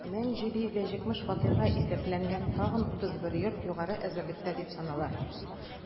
1770 фатирга исәпләнгән тагын 31 йорт югары әзерлектә дип санала.